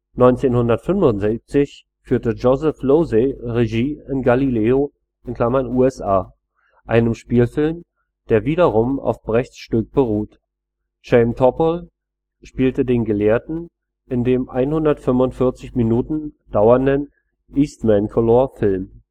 1975 führte Joseph Losey Regie in Galileo (USA), einem Spielfilm, der wiederum auf Brechts Stück beruht. Chaim Topol spielte den Gelehrten in dem 145 Minuten dauernden Eastmancolor-Film